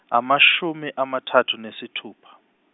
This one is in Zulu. amashumi amathathu nesithupha.